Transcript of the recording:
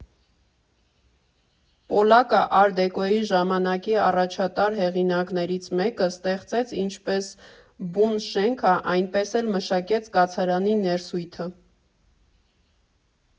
Պոլակը՝ ար֊դեկոյի՝ ժամանակի առաջատար հեղինակներից մեկը, ստեղծեց ինչպես բուն շենքը, այնպես էլ մշակեց կացարանի ներսույթը.